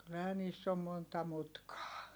kyllähän niissä on monta mutkaa